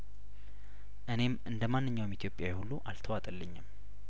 እኔም እንደማንኛውም ኢትዮጵያዊ ሁሉ አልተዋጠ ልኝም